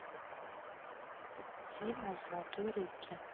фильм о золотой рыбке